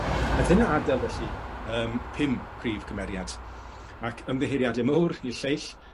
A dyna adel felly yym pum prif cymeriad ac ymddiheuriade mowr i'r lleill